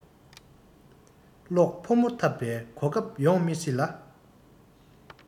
གློག ཕོ མོ འཐབས པའི གོ སྐབས ཡོང མི སྲིད ལ